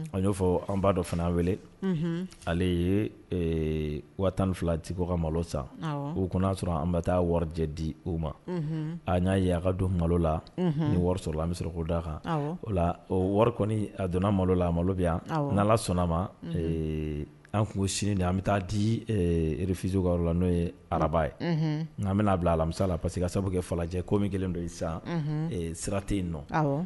A y'o fɔ an b' dɔn fana wele ale ye wa tan fila tɛ ka malo san u kɔnɔ'a sɔrɔ an bɛ taa wari lajɛ di u ma an y'a yeka don malo la ni wari sɔrɔ an bɛ sɔrɔ k ko daa kan o la o wari a donna malo la a malo bɛ yan ni ala sɔnna a ma an tun sini de an bɛ taa di rifisi ka la n'o ye araba ye nka an bɛna'a bila alamisa la parce que ka sabu kɛ falajɛ ko min kelen don san sira tɛ yen nɔ